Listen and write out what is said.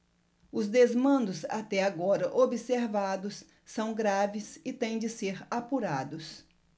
os desmandos até agora observados são graves e têm de ser apurados